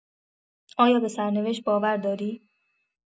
آیا به سرنوشت باور داری؟